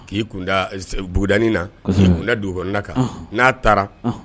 K'i kunda bd na kunda duguk kɔnɔna kan n'a taara